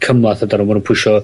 ...cymlath amdano ma' nw'n pwsho